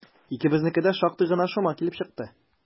Икебезнеке дә шактый гына шома килеп чыкты.